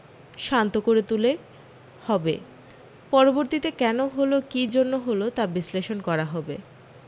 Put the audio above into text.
শান্ত করতে তুলে হবে পরবর্তীতে কেন হল কী জন্য হল তা বিস্লেষন করা হবে